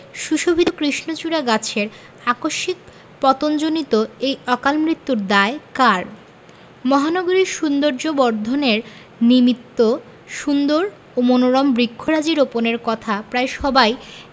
সুশোভিত কৃষ্ণচূড়া গাছের আকস্মিক পতনজনিত এই অকালমৃত্যুর দায় কার মহানগরীর সৌন্দর্যবর্ধনের নিমিত্ত সুন্দর ও মনোরম বৃক্ষরাজি রোপণের কথা প্রায় সবাই